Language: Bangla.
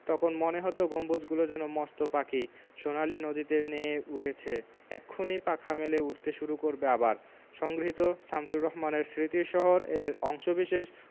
তখন মনে হতো গম্বুজগুলো যেন মস্ত পাখি সোনালি নদীতে নেয়ে উঠেছে এক্ষুনি পাখা মেলে উড়তে শুরু করবে আবার সংগৃহীত শামসুর রাহমানের স্মৃতির শহর এর অংশবিশেষ